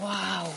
Waw.